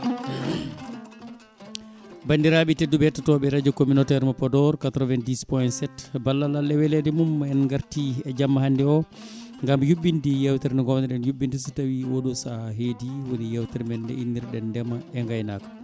bandiraɓe tedduɓe hettotoɓe radio communautaire mo Podor 90 POINT 7 ko ballal Allah e welede mum en garti jamma hande o gaam yuɓɓinde yewtere nde gowno ɗen yuɓɓinde so tawi oɗo saaha heedi woni yewtere men nde innirɗen ndeema e gaynaka